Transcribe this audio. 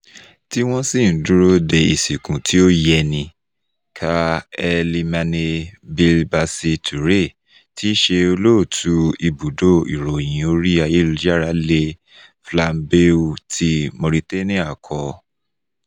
tí wọ́n ṣì ń dúró de ìsìnkú tí ó yẹni, Kaaw Elimane Bilbassi Toure tí í ṣe olóòtú ibùdó ìròyìn orí ayélujára Le Flambeau ti Mauritania kọ.